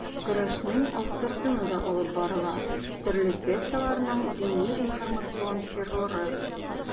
Көрәшнең астыртыны да алып барыла: төрле секталарның дини-информацион терроры.